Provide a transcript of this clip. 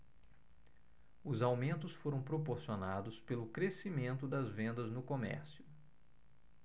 os aumentos foram proporcionados pelo crescimento das vendas no comércio